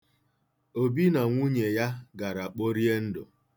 Obi na nwunye ya gara kporie ndụ.